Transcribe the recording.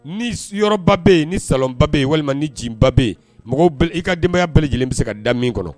Ni yɔrɔba bɛ yen ni saba bɛ yen walima ni jiba bɛ yen mɔgɔ i ka denbayaya bɛɛ lajɛlen bɛ se ka da min kɔnɔ